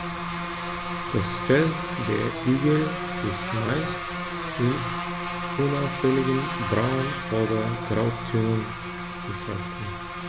Das Fell der Igel ist meist in unauffälligen Braun- oder Grautönen gehalten.